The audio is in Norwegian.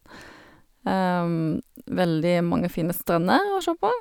Veldig mange fine strender å se på.